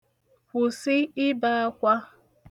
kwụ̀sị ibē akwa